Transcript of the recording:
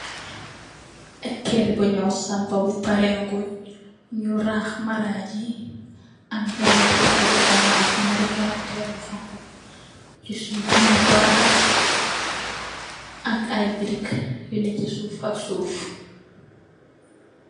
Ak kër b nyo sampa bu parè ngun, nu rah maraj yi. Am benen buntu bu hokha ak ñaari palanteer yu honku. Ci suuf nung ko rah ak ay brick yu nèchi suuf ab suuf.